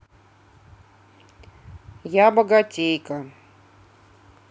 а богатейка